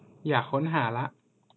อยากค้นหาละ